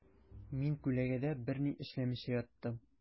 Мин күләгәдә берни эшләмичә яттым.